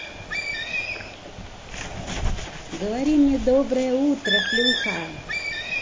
говори мне доброе утро плюха